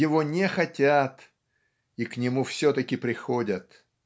Его не хотят, и к нему все-таки приходят.